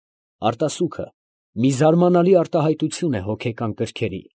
Արտասուքը մի զարմանալի արտահայտություն է հոգեկան կրքերի։